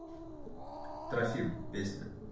трофим песня